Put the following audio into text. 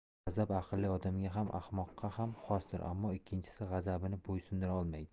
g'azab aqlli odamga ham ahmoqqa ham xosdir ammo ikkinchisi g'azabni bo'ysundira olmaydi